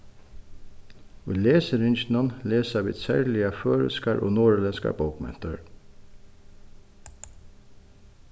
í lesiringinum lesa vit serliga føroyskar og norðurlendskar bókmentir